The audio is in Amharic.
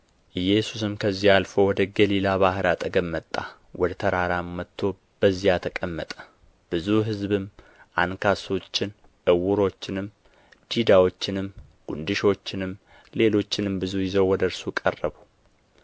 ኢየሱስም ከዚያ አልፎ ወደ ገሊላ ባሕር አጠገብ መጣ ወደ ተራራም ወጥቶ በዚያ ተቀመጠ ብዙ ሕዝብም አንካሶችን ዕውሮችንም ዲዳዎችንም ጉንድሾችንም ሌሎችንም ብዙ ይዘው ወደ እርሱ ቀረቡ